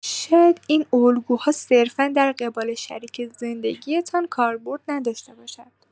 شاید این الگوها صرفا در قبال شریک زندگی‌تان کاربرد نداشته باشد.